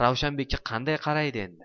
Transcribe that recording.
ravshanbekka qanday qaraydi endi